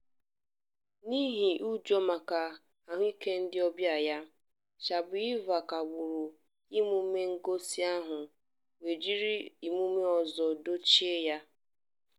N'ihi ụjọ maka ahụike ndịọbịa ya, Shabuyeva kagburu emume ngosi ahụ wee jiri emume ọzọ dochie ya.